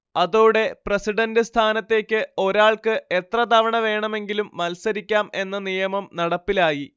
അതോടെ പ്രസിഡന്റ് സ്ഥാനത്തേക്ക് ഒരാൾക്ക് എത്രതവണ വേണമെങ്കിലും മത്സരിക്കാം എന്ന നിയമം നടപ്പിലായി